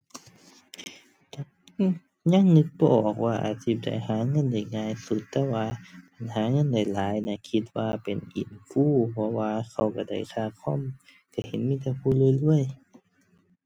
ยังนึกบ่ออกว่าอาชีพใดหาเงินได้ง่ายสุด แต่ว่าหาเงินได้หลายน่ะคิดว่าเป็นอินฟลู เพราะว่าเขาก็ได้ค่าคอม ก็เห็นมีแต่ผู้รวยรวย